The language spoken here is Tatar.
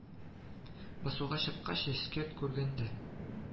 Басуга чыккач эскерт күргән дә